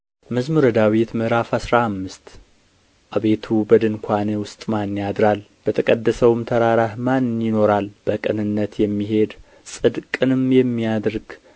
መዝሙር ምዕራፍ አስራ አምስት አቤቱ በድን ንህ ውስጥ በተቀደሰውም ተራራ ማን ይኖራል በቅንነት የሚሄድ ጽድቅንም የሚያደርግ